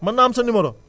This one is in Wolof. mën naa am sa numéro